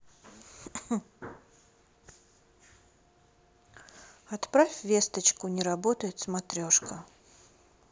отправь весточку не работает смотрешка